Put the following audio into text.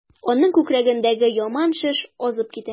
Аның күкрәгендәге яман шеш азып китә.